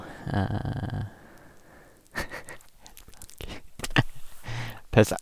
Pause.